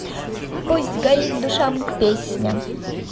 пусть горит душам песня